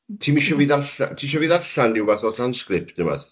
Ti'm isio fi ddarlla-...Ti isio fi ddarllan rywfath o transcript ne' wbath?